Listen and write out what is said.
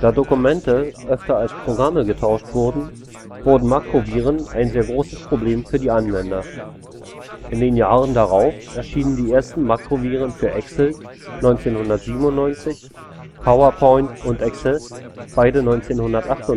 Dokumente öfter als Programme getauscht wurden, wurden Makroviren ein sehr großes Problem für die Anwender. In den Jahren darauf erschienen die ersten Makroviren für Excel (1997), Powerpoint und Access (beide 1998